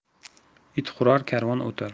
it hurar karvon o'tar